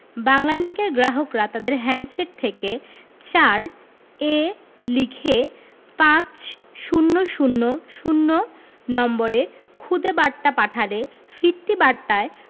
বাংলালিংকের গ্রাহকরা তাদের হ্যান্ডসেট থেকে ৪ এ লিখে পাঁচ শূণ্য শূণ্য শূণ্য নম্বরে খুদে বার্তা পাঠালে ফিরতি বার্তায়